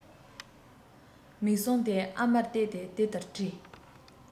མིག ཟུང དེ ཨ མར གཏད དེ དེ ལྟར དྲིས